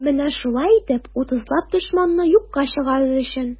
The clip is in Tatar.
Менә шулай итеп, утызлап дошманны юкка чыгарыр өчен.